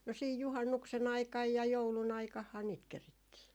no siinä juhannuksen aikana ja joulun aikanahan niitä kerittiin